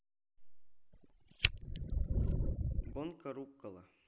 гонка рукола